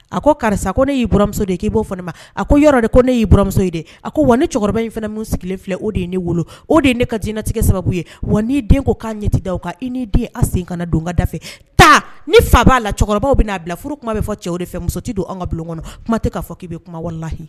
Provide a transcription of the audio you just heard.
A ko karisa ko ne y'iuramuso de k'i b'o fɔ ma a ko yɔrɔ de ko ne y'i baramuso ye de a ko wa ne in fana min sigilen filɛ o de ye ne wolo o de ne ka jinɛinatigɛ sababu ye wa n'i den ko k'a ɲɛti da kan i ni den sen ka don kada fɛ taa ni fa b'a la cɛkɔrɔba bɛ n'a bila furu kuma bɛ fɔ cɛ o de fɛ muso tɛ don an ka bulon kɔnɔ kuma tɛ'a fɔ k'i bɛ kumawalelahi